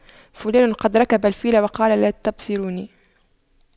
فلان قد ركب الفيل وقال لا تبصروني